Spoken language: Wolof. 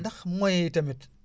ndax moyens yi tamit